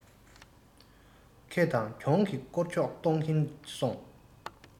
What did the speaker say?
ཁེ དང གྱོང གི བསྐོར ཕྱོགས གཏོང གིན སོང